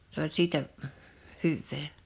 se oli siitä hyvää